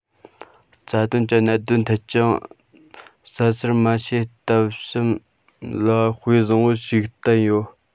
རྩ དོན གྱི གནད དོན ཐད ཀྱང ཟ ཟིར མ བྱས སྟབས གཤམ ལ དཔེ བཟང པོ ཞིག བསྟན ཡོད